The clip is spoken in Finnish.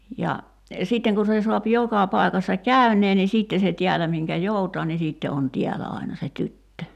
ja sitten kun se saa joka paikassa käyneen niin sitten se täällä minkä joutaa niin sitten on täällä aina se tyttö